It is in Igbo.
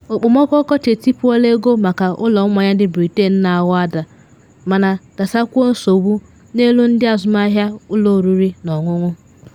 Okpomọkụ ọkọchị etipuola ego maka ụlọ mmanya ndị Britain ndị na aghọ ada mana dosakwuo nsogbu n’elu ndị azụmahịa ụlọ oriri na ọṅụṅụ.